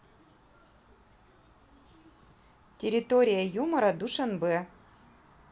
территория юмора душанбе